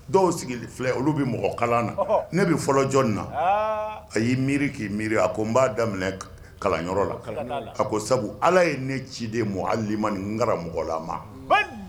Dɔw sigilen filɛ olu bɛ mɔgɔ kalan na ne bɛ fɔlɔ jɔnni na a y'i miiri k'i miiri a ko n b'a daminɛ kalanyɔrɔ la ka ko sabu ala ye ne ciden ma ali nin nga mɔgɔlamama